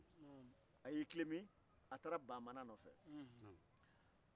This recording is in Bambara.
nimɔgɔmusokɔrɔba de bɛ se ka e lamɔn sisan cogodi